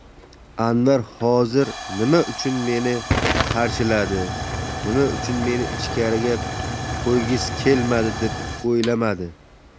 anvar hozir nima uchun meni qarshiladi nima uchun meni ichkariga qo'ygisi kelmadi deb o'ylamadi